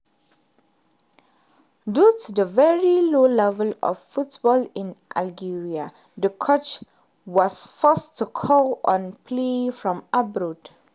Due to the very low level of football in Algeria the coach was forced to call on players from abroad.